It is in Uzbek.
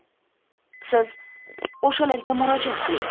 siz o'shalarga murojaat qiling